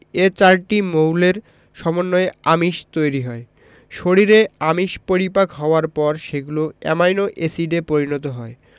এ চারটি মৌলের সমন্বয়ে আমিষ তৈরি হয় শরীরে আমিষ পরিপাক হওয়ার পর সেগুলো অ্যামাইনো এসিডে পরিণত হয়